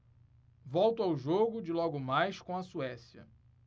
volto ao jogo de logo mais com a suécia